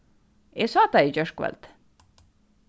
eg sá tey í gjárkvøldið